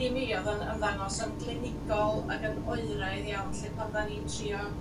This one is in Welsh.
i mi odd yn ymddangos yn glinigol ag yn oeraidd iawn 'lly pan ddan ni'n trio